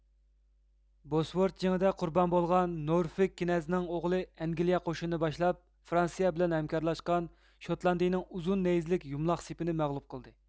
بوسۋورت جېڭىدە قۇربان بولغان نورفۈك كىنەزنىڭ ئوغلى ئەنگلىيە قوشۇنىنى باشلاپ فرانسىيە بىلەن ھەمكارلاشقان شوتلاندىيىنىڭ ئۇزۇن نەيزىلىك يۇمىلاق سېپىنى مەغلۇپ قىلدى